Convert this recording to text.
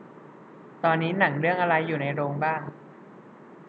ตอนนี้หนังเรื่องอะไรอยู่ในโรงบ้าง